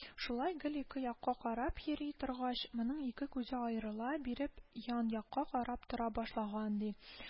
Шулай гел ике якка карап йөри торгач, моның ике күзе аерыла биреп ян-якка карап тора башлаган, ди